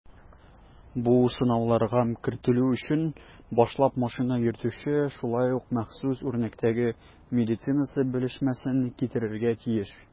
Бу сынауларга кертелү өчен башлап машина йөртүче шулай ук махсус үрнәктәге медицинасы белешмәсен китерергә тиеш.